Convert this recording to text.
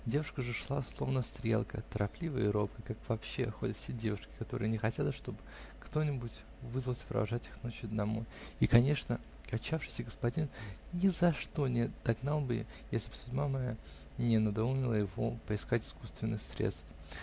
Девушка же шла, словно стрелка, торопливо и робко, как вообще ходят все девушки, которые не хотят, чтоб кто-нибудь вызвался провожать их Ночью домой, и, конечно, качавшийся господин ни за что не догнал бы ее, если б судьба моя не надоумила его поискать искусственных средств.